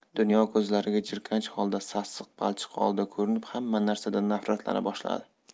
dunyo ko'zlariga jirkanch holda sassiq balchiq holida ko'rinib hamma narsadan nafratlana boshladi